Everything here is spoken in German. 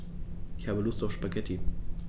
Ich habe Lust auf Spaghetti.